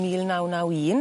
Mil naw naw un.